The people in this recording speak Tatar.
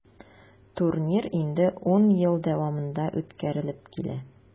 Турнир инде 10 ел дәвамында үткәрелеп килә.